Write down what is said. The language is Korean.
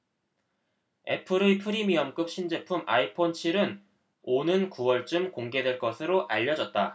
애플의 프리미엄급 신제품 아이폰 칠 은 오는 구 월쯤 공개될 것으로 알려졌다